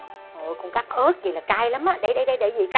ồi con cắt ớt vậy là cay lắm á đây đây đây để dì